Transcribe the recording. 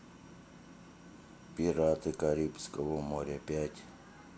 пираты карибского моря пять